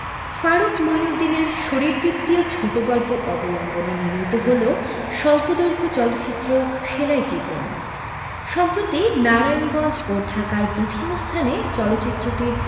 ফারুক মইনউদ্দিনের শরীরবৃত্তীয় ছোট গল্প অবলম্বনে নির্মিত হল স্বল্পদৈর্ঘ্য চলচ্চিত্র সেলাই জীবন সম্প্রতি নারায়ণগঞ্জ ও ঢাকার বিভিন্ন স্থানে চলচ্চিত্রটির